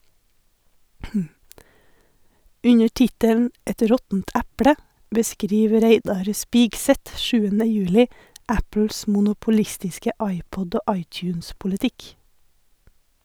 Under tittelen "Et råttent eple" beskriver Reidar Spigseth 7. juli Apples monopolistiske iPod- og iTunes-politikk.